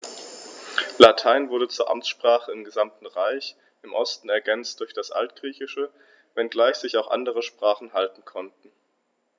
Latein wurde zur Amtssprache im gesamten Reich (im Osten ergänzt durch das Altgriechische), wenngleich sich auch andere Sprachen halten konnten.